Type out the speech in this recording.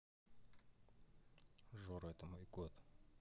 жора это мой кот